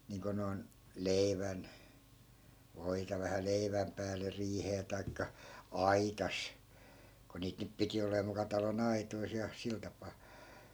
niin kuin noin leivän voita vähän leivän päälle riiheen tai aitassa kun niitä nyt piti oleman muka talon aitoissa ja sillä tapaa